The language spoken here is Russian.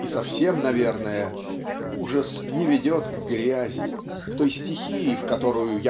И совсем наверное ужас не ведет к грязи к той стихии в которую